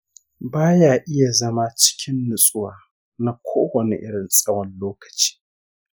ba ya iya zama cikin nutsuwa na kowane irin tsawon lokaci